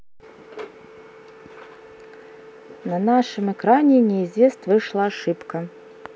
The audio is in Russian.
на нашем экране неизвест вышла ошибка